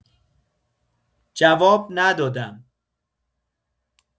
جواب ندادم.